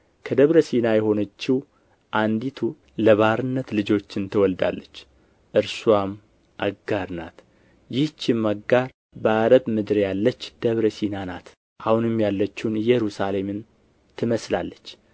ከደብረ ሲና የሆነችው አንዲቱ ለባርነት ልጆችን ትወልዳለች እርስዋም አጋር ናት ይህችም አጋር በዓረብ ምድር ያለችው ደብረ ሲና ናት አሁንም ያለችውን ኢየሩሳሌምን ትመስላለች